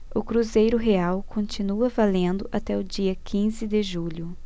o cruzeiro real continua valendo até o dia quinze de julho